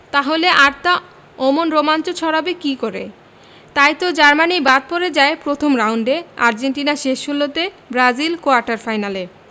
তাহলে আর তা অমন রোমাঞ্চ ছড়াবে কী করে তাইতো জার্মানি বাদ পড়ে যায় প্রথম রাউন্ডে আর্জেন্টিনা শেষ ষোলোতে ব্রাজিল কোয়ার্টার ফাইনালে